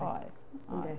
Oedd, oedd.